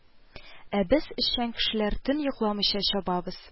Ә без, эшчән кешеләр, төн йокламыйча чабабыз